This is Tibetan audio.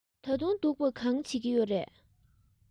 ད དུང སྡུག པ གང བྱེད ཀྱི ཡོད རས